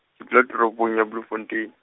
ke dula toropong ya Bloemfontein.